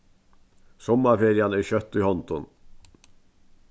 summarferian er skjótt í hondum